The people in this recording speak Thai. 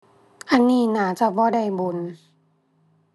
อันนี้น่าจะบ่ได้บุญ